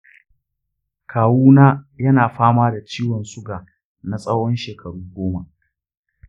kawu na ya na fama da ciwon suga na tsawon shekaru goma.